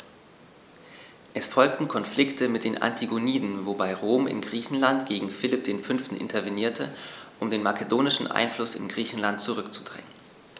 Es folgten Konflikte mit den Antigoniden, wobei Rom in Griechenland gegen Philipp V. intervenierte, um den makedonischen Einfluss in Griechenland zurückzudrängen.